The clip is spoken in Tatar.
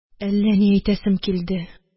Әллә ни әйтәсем килде